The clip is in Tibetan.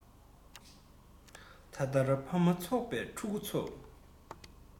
ད ལྟར ཕ མ འཛོམས པའི ཕྲུ གུ ཚོ